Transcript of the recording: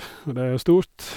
Og det er jo stort.